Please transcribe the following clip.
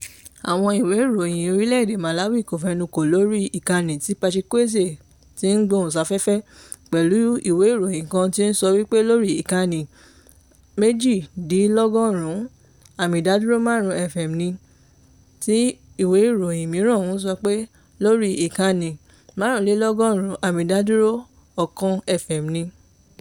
Àwọn ìwé ìròyìn orílẹ̀ èdè Malawi kò fenukò lórí ìkànnì tí Pachikweze tí ń gbóhùnsáfẹ́fẹ́, pẹ̀lú ìwé ìròyìn kan tí ó ń sọ pé lórí ìkànnì 98.5FM ni, tí ìwé ìròyìn mìíràn sì ń sọ pé lórí ìkànnì 105.1FM ni.